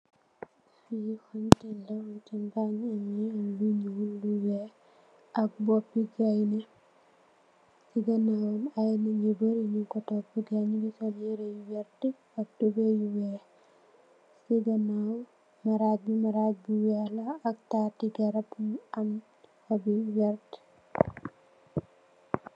Lii hunting la, hunting baangy ameh lu njull, lu wekh ak bopi gaindeh, cii ganawam aiiy nitt nju bari njung kor topu, gai njungy sol yehreh yu vertue ak tubeiy yu wekh, cii ganaw marajj bii marajj bu wekh la, ak taarti garab yu am hohb yu vert.